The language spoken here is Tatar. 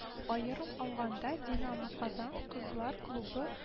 Аерым алганда, Динамо-Казан кызлар клубы